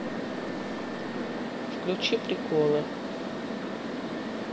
включи приколы